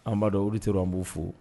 Anbadɔ olu tɛ an b'u fo